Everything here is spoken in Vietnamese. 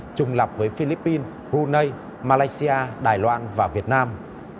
trùng lặp với phi líp pin bờ ru nây ma lay si a đài loan và việt nam